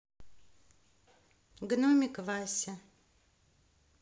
гномик вася